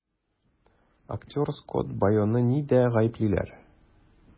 Актер Скотт Байоны нидә гаеплиләр?